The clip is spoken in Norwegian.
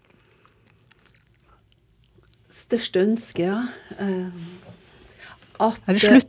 største ønske ja at.